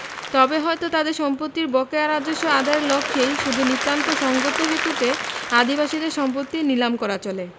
তবে হযরত তাদের সম্পত্তির বকেয়া রাজস্ব আদায়ের লক্ষেই শুধু নিতান্ত সঙ্গতহেতুতে আদিবাসীদের সম্পত্তি নীলাম করা চলে